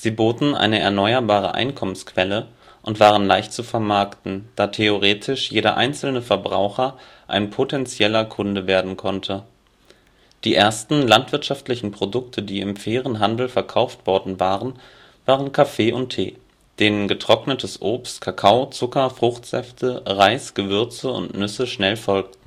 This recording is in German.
boten eine erneuerbare Einkommensquelle und waren leicht zu vermarkten, da theoretisch jede einzelne Verbraucher ein potentieller Kunde werden konnte. Die ersten landwirtschaftlichen Produkte, die im fairen Handel verkauft worden waren, waren Kaffee und Tee, denen getrocknetes Obst, Kakao, Zucker, Fruchtsäfte, Reis, Gewürze und Nüsse schnell folgte